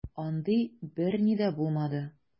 Андый берни дә булмады.